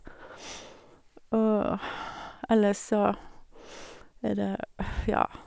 Og ellers så er det, ja.